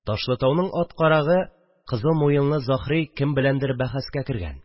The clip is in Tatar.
Ташлытауның ат карагы, кызыл муенлы Заһри кем беләндер бәхәскә кергән